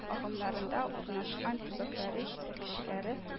Гымнарында урнашкан төбәкләре җитәкчеләре о